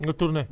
nga tourné